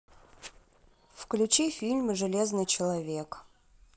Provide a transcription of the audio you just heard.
включи фильм железный человек